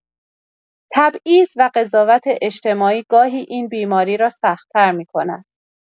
تبعیض و قضاوت اجتماعی گاهی این بیماری را سخت‌تر می‌کند.